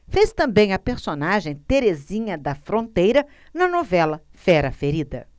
fez também a personagem terezinha da fronteira na novela fera ferida